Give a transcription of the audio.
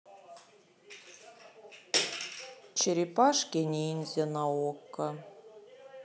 черепашки ниндзя на окко